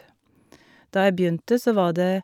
Da jeg begynte, så var det...